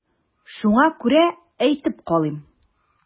Шуңа күрә әйтеп калыйм.